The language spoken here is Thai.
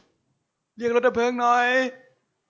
เรียกรถดับเพลิงหน่อย